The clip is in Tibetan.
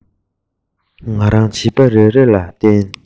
ང རང བྱིས པ རེ རེ ལ བསྟན